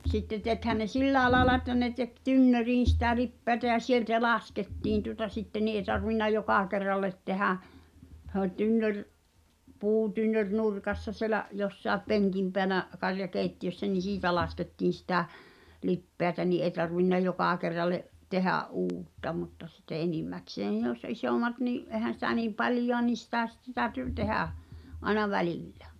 sitten tekihän ne silläkin lailla että ne teki tynnyriin sitä lipeätä ja sieltä laskettiin tuota sitten niin ei tarvinnut joka kerralla tehdä se oli tynnyri puutynnyri nurkassa siellä jossakin penkin päällä karjakeittiössä niin siitä laskettiin sitä lipeätä niin ei tarvinnut joka kerralle tehdä uutta mutta sitten enimmäkseen ne joissa isommat niin eihän sitä niin paljoa niin sitä sitten täytyi tehdä aina välillä